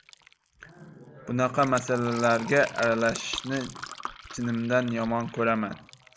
bunaqa masalalarga aralashishni jinimdan yomon ko'raman